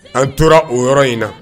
An tora o yɔrɔ in na